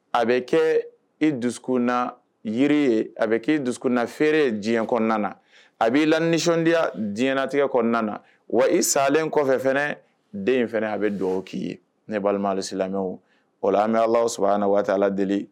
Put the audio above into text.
A bɛ kɛ e dusuk jiri ye a bɛ ke dusukna feereere diɲɛ kɔnɔna na a b'i la nisɔnondiya diɲɛnatigɛ kɔnɔna na wa i salen kɔfɛ fana den in fana a bɛ dugawu k'i ye ne balimasi lamɛn wala an bɛ ala sɔrɔ na waati ala deli